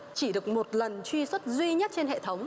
chỉ được một lần truy xuất duy nhất trên hệ thống